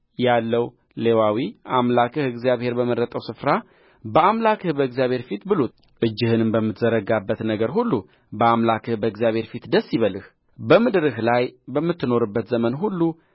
ያለው ሌዋዊ አምላክህ እግዚአብሔር በመረጠው ስፍራ በአምላክህ በእግዚአብሔር ፊት ብሉት እጅህንም በምትዘረጋበት ነገር ሁሉ በአምላክህ በእግዚአብሔር ፊት ደስ ይበልህ በምድርህ ላይ በምትኖርበት ዘመን ሁሉ